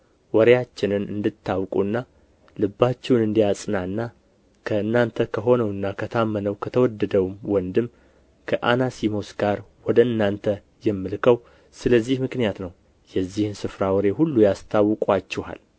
ወሬያችንን እንድታውቁና ልባችሁን እንዲያጽናና ከእናንተ ከሆነውና ከታመነው ከተወደደውም ወንድም ከአናሲሞስ ጋር ወደ እናንተ የምልከው ስለዚህ ምክንያት ነው የዚህን ስፍራ ወሬ ሁሉ ያስታውቁአችኋል